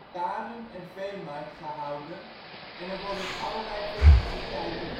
paarden - en veemarkt gehouden en er worden allerlei festiviteiten